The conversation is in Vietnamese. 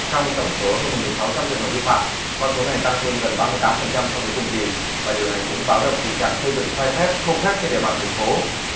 trong tổng số hơn một nghìn sáu trăm trường hợp vi phạm con số này tăng hơn gần ba mươi tám phần trăm so với cùng kỳ và điều này cũng báo động tình trạng xây dựng sai phép không phép trên địa bàn thành phố